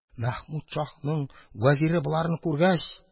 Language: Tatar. Мәхмүд шаһның вәзире, боларны күргәч